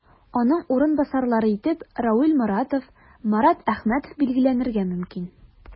Аның урынбасарлары итеп Равил Моратов, Марат Әхмәтов билгеләнергә мөмкин.